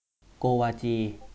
โกวาจี